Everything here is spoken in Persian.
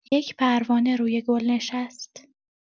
یک پروانه روی گل نشست.